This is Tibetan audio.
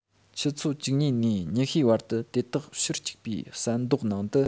ཆུ ཚོད བཅུ གཉིས ནས ཉི ཤུའི བར དུ དེ དག ཕྱིར སྐྱུགས པའི ཟན རྡོག ནང དུ